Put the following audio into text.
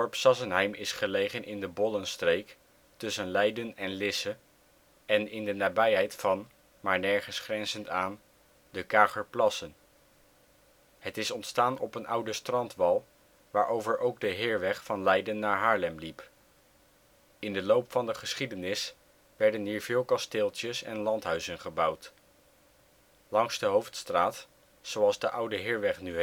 Sassenheim is gelegen in de Bollenstreek tussen Leiden en Lisse en in de nabijheid van (maar nergens grenzend aan) de Kagerplassen. Het is ontstaan op een oude strandwal, waarover ook de heerweg van Leiden naar Haarlem liep. In de loop van de geschiedenis werden hier veel kasteeltjes en landhuizen gebouwd. Langs de Hoofdstraat, zoals de oude heerweg nu